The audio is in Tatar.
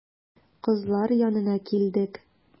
Кызлар янына килдек.